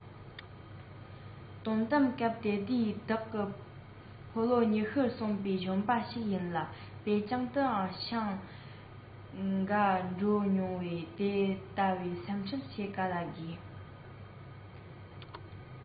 དོན དམ སྐབས དེ དུས བདག ནི ཕོ ལོ ཉི ཤུར གསོན པའི གཞོན པ ཞིག ཡིན ལ པེ ཅིང དུའང ཤེངས འགའ འགྲོ མྱོང བས དེ ལྟ བུའི སེམས ཁྲལ བྱེད ག ལ དགོས